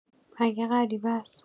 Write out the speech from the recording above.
مگه غریبه اس؟